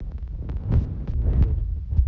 хочу двойной счет